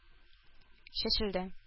Чәчелде